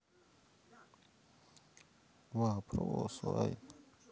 вопрос лайн